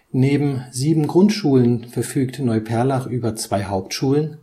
Neben sieben Grundschulen verfügt Neuperlach über zwei Hauptschulen